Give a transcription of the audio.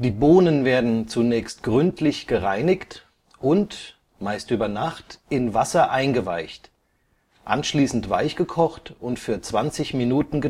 Bohnen werden zunächst gründlich gereinigt und (meist über Nacht) in Wasser eingeweicht, anschließend weichgekocht und für 20 Minuten